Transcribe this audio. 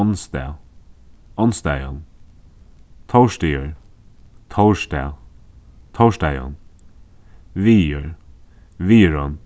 ónsdag ónsdagin tórsdagur tórsdag tórsdagin vegur vegurin